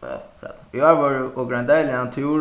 frata í ár vóru okur ein deiligan túr